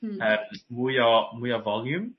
Hmm. Yr mwy o mwy a volume.